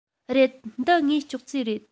རེད འདི ངའི ཅོག ཙེ རེད